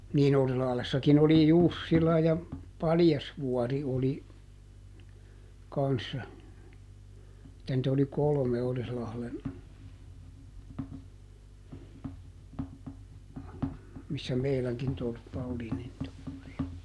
niin Orilahdessakin oli Jussila ja Paljasvuori oli kanssa että niitä oli kolme Orilahden missä meidänkin torppa oli niin torpparia